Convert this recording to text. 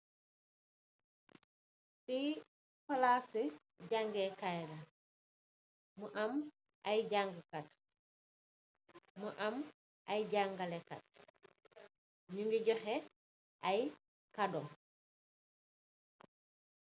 Fii Palasi jangèè kai la, mu am ay janga kat, mu am ay jangalekat, ñju ngi joxee ay kado.